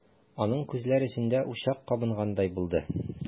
Аның күзләр эчендә учак кабынгандай булды.